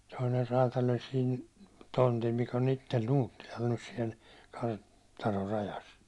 toinen räätäli oli siinä tontilla mikä on itse Nuuttilalla nyt siellä - kartanon rajassa